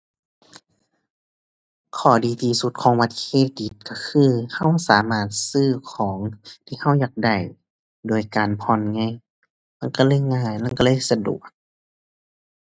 ข้อดีที่สุดของบัตรเครดิตก็คือ ก็สามารถซื้อของที่ก็อยากได้โดยการผ่อนไง มันก็เลยง่าย มันก็เลยสะดวก